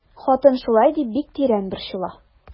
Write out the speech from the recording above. Хатын шулай дип бик тирән борчыла.